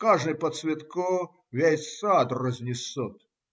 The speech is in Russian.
каждый по цветку, весь сад разнесут,